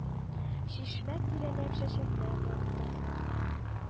Чишмә тирәләп чәчәкләр дә утырттылар